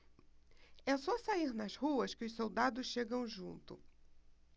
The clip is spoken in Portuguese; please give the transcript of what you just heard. é só sair nas ruas que os soldados chegam junto